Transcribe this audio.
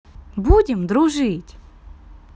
будем дружить